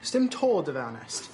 Do's dim to dyfe, Anest?